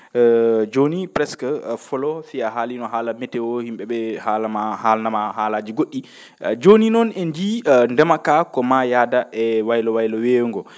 jooni presque a foloo si a haalino haala météo yim?e ?ee maa haalna maa haalaaji go??i jooni noon en njiyi ndema kaa ko maa yaada e waylo waylo weeyo ngoo